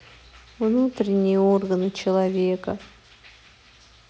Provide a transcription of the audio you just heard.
внутренние органы человека